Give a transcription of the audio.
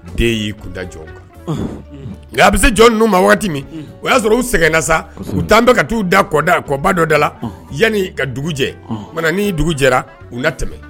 Den y'i kun da jɔn kan, unhun, nka a bɛ se jɔn ninnu ma waati min, unhun, o y'a sɔrɔ u sɛgɛnna sa, kɔsɛbɛ, u t'an bɛ ka t'u da kɔda kɔba dɔ da la, unhun, yani ka dugu jɛ, o kumana ni dugu jɛra u na tɛmɛ.